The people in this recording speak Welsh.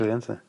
Briliant 'de?